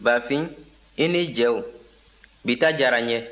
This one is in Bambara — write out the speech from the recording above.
bafin i n'i jɛw bi ta diyara n ye